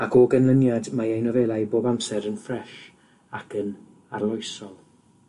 ac o ganlyniad, mae ei nofelau bob amser yn ffres ac yn arloesol.